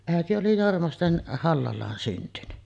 äiti oli Jormasten Hallalaan syntynyt